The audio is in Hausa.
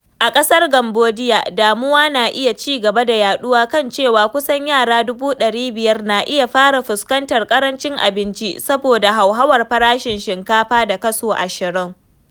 A ƙasar Kambodiya, damuwa na ci gaba da yaɗuwa kan cewa kusan yara 500,000 na iya fara fuskantar ƙarancin abinci saboda hauhawar farashin shinkafa da kaso 20%.